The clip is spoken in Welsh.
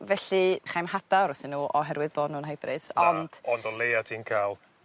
felly chai'm hada' o'r wrthyn n'w oherwydd bo' nw'n *hybrids ond... Na, ond o leia ti'n ca'l